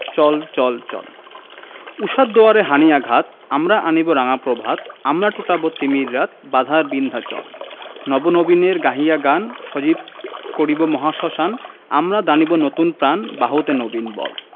চল চল চল ঊষার দুয়ারে হানি' আঘাত আমরা আনিব রাঙা প্রভাত আমরা টুটাব তিমির রাত বাধার বিন্ধ্যাচল নব নবীনের গাহিয়া গান সজীব করিব মহাশ্মশান আমরা দানিব নতুন প্রাণ বাহুতে নবীন বল